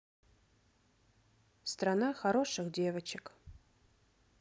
страна хороших девочек